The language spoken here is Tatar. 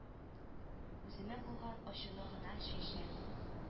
Үземә булган ачуны гына чәчәм